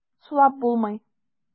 Сулап булмый.